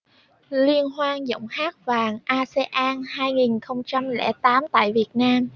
liên hoan giọng hát vàng asean hai nghìn không trăm lẻ tám tại việt nam